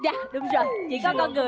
dạ đúng rồi chỉ có con người